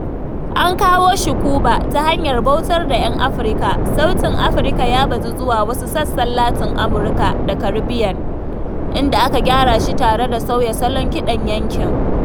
An kawo shi Cuba ta hanyar bautar da 'yan Afirka, sautin Afirka ya bazu zuwa wasu sassan Latin Amurka da Caribbean, inda aka gyara shi tare da sauya salon kiɗan yankin.